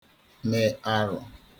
me arụ̄